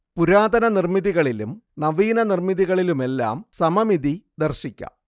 പുരാതന നിർമിതികളിലും നവീനനിർമിതികലീലുമെല്ലാം സമമിതി ദർശിക്കാം